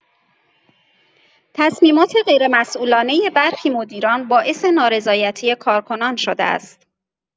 تصمیمات غیرمسئولانه برخی مدیران باعث نارضایتی کارکنان شده است.